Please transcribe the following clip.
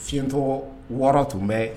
Fi fiɲɛtɔ wɔɔrɔ tun bɛ